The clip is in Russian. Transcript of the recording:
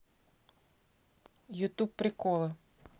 ютуб приколы